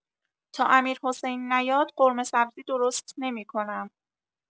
تا امیرحسین نیاد قورمه‌سبزی درست نمی‌کنم!